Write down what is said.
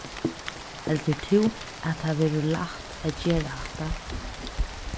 heldur tú at tað verður lætt at gera hatta